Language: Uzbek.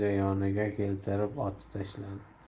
devor yoniga keltirib otib tashladi